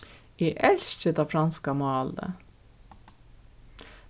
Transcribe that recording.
eg elski tað franska málið